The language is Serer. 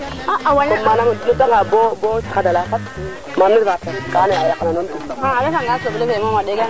i comme partout jegu partout jegu a jega tol wangan wage produit merci beaucoup